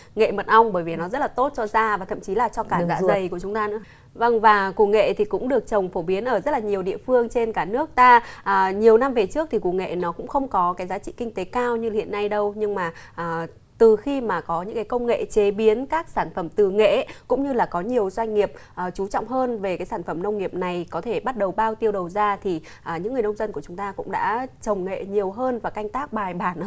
nghệ mật ong bởi vì nó rất là tốt cho da và thậm chí là cho cả dạ dày của chúng ta nữa vâng và củ nghệ thì cũng được trồng phổ biến ở rất là nhiều địa phương trên cả nước ta à nhiều năm về trước thì củ nghệ nó cũng không có cái giá trị kinh tế cao như hiện nay đâu nhưng mà à từ khi mà có những cái công nghệ chế biến các sản phẩm từ nghệ ý cũng như là có nhiều doanh nghiệp ờ chú trọng hơn về cái sản phẩm nông nghiệp này có thể bắt đầu bao tiêu đầu ra thì à những người nông dân của chúng ta cũng đã trồng nghệ nhiều hơn và canh tác bài bản